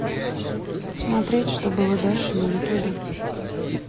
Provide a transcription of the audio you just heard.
смотреть что было дальше на ютубе